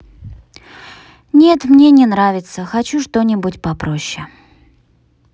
нет мне не нравится хочу что нибудь попроще